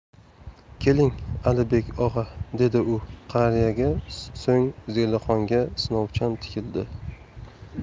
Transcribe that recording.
keling alibek og'a dedi u qariyaga so'ng zelixonga sinovchan tikildi